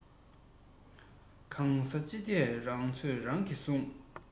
འདོད པའི རྟ མཆོག ཚོད ཀྱིས སྲབ ཁ འཐེན